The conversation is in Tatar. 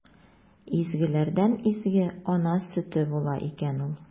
Изгеләрдән изге – ана сөте була икән ул!